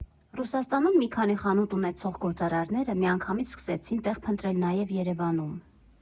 Ռուսաստանում մի քանի խանութ ունեցող գործարարները միանգամից սկսեցին տեղ փնտրել նաև Երևանում։